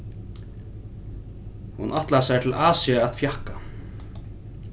hon ætlaði sær til asia at fjakka